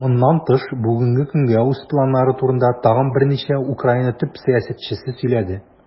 Моннан тыш, бүгенге көнгә үз планнары турында тагын берничә Украина топ-сәясәтчесе сөйләде.